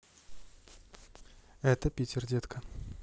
это питер детка